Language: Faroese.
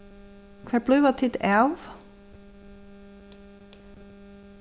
hvar blíva tit av